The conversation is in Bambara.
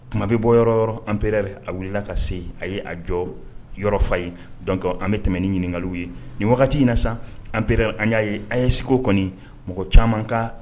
Kuma bɛ bɔ yɔrɔ yɔrɔ anp a wulila ka se a ye a jɔ yɔrɔ fa ye dɔnke an bɛ tɛmɛ ni ɲininkaka ye nin wagati in na sisan anp an y'a ye an ye segu kɔni mɔgɔ caman kan